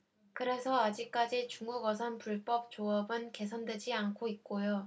그래서 아직까지 중국어선 불법조업은 개선되지 않고 있고요